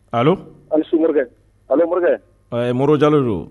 Allo . A' ni su Morikɛ, allo Morikɛ. Ayi Modibo Jalo de don.